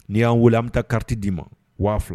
N' y' wele an bɛ taa karatati d'i ma waa fila